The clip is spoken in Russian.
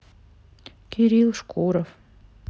кирилл шкуров